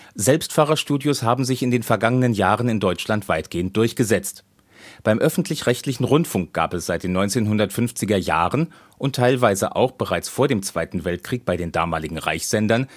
Selbstfahrerstudios haben sich in den vergangenen Jahren in Deutschland weitgehend durchgesetzt. Beim öffentlich-rechtlichen Rundfunk gab es seit den 1950er-Jahren (und teilweise auch bereits vor dem 2. Weltkrieg bei den damaligen Reichssendern